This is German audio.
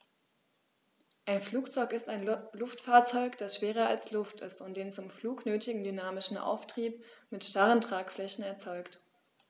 Ein Flugzeug ist ein Luftfahrzeug, das schwerer als Luft ist und den zum Flug nötigen dynamischen Auftrieb mit starren Tragflächen erzeugt.